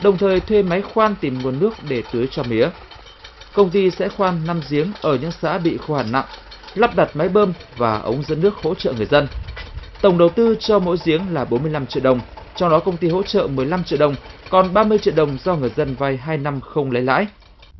đồng thời thuê máy khoan tìm nguồn nước để tưới cho mía công ty sẽ khoan năm giếng ở những xã bị khô hạn nặng lắp đặt máy bơm và ống dẫn nước hỗ trợ người dân tổng đầu tư cho mỗi giếng là bốn mươi lăm triệu đồng trong đó công ty hỗ trợ mười lăm triệu đồng còn ba mươi triệu đồng do người dân vay hai năm không lấy lãi